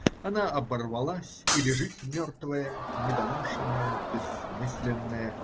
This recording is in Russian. Она оборвалась и лежит мертвая, недоношенная, бессмысленная.